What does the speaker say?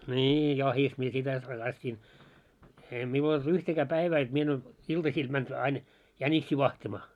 niin jahdissa minä sitä harrastin ei minulla ole yhtäkään päivää jotta minä en olisi iltasilla mennyt aina jäniksiä vahtimaan